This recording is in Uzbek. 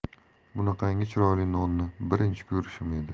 bunaqangi chiroyli nonni birinchi ko'rishim edi